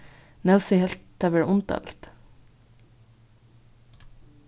nósi helt tað vera undarligt